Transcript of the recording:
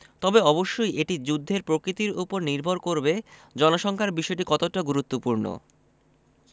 তবে অবশ্যই এটি যুদ্ধের প্রকৃতির ওপর নির্ভর করবে জনসংখ্যার বিষয়টি কতটা গুরুত্বপূর্ণ